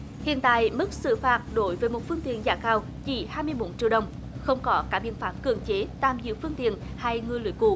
hiện tại mức xử phạt đối với một phương tiện giả khảo chỉ hai mươi bốn triệu đồng không có các biện pháp cưỡng chế tạm giữ phương tiện hay ngư lưới cụ